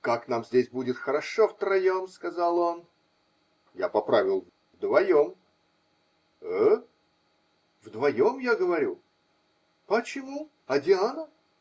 -- Как нам здесь будет хорошо втроем, -- сказал он. Я поправил: -- Вдвоем. -- Э? -- Вдвоем, я говорю. -- Почему? А Диана?